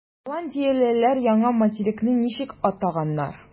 Голландиялеләр яңа материкны ничек атаганнар?